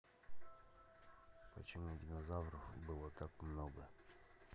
почему динозавров было так много